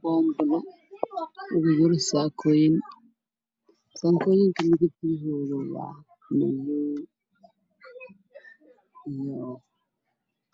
Waa boonbaro waxaa ku jira saakooyin dumar